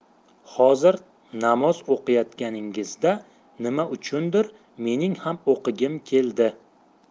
hozir namoz o'qiyotganingizda nima uchundir mening ham o'qigim keldi